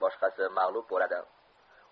boshqasi mag'lub bo'ladi